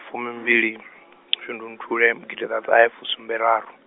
fumimbili, shundunthule, gidiḓaṱahefusumberaru.